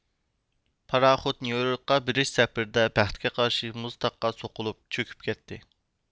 پاراخوت نيۇ يوركقا بېرىش سەپىرىدە بەختكە قارشى مۇز تاغقا سوقۇلۇپ چۆكۈپ كەتتى